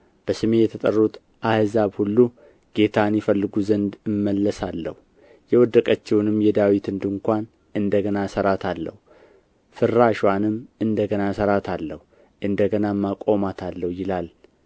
በስሜ የተጠሩት አሕዛብ ሁሉ ጌታን ይፈልጉ ዘንድ እመለሳለሁ የወደቀችውንም የዳዊትን ድንኳን እንደ ገና እሠራታለሁ ፍራሽዋንም እንደ ገና እሠራታለሁ እንደ ገናም አቆማታለሁ ይላል